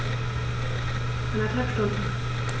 Eineinhalb Stunden